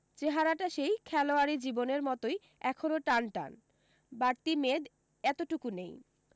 চেহারাটা সেই খেলোয়াড়ী জীবনের মতোই এখনও টানটান বাড়তি মেদ এতটুকু নেই